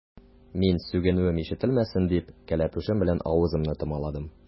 Мин, сүгенүем ишетелмәсен дип, кәләпүшем белән авызымны томаладым.